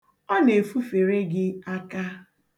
Ọ na-efufere gị aka.